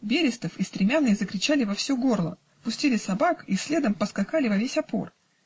Берестов и стремянный закричали во все горло, пустили собак и следом поскакали во весь опор.